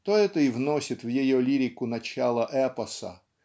то это и вносит в ее лирику начало эпоса